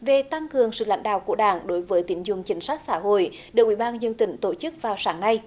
về tăng cường sự lãnh đạo của đảng đối với tín dụng chính sách xã hội được ủy ban dân tỉnh tổ chức vào sáng nay